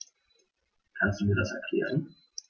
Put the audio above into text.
Kannst du mir das erklären?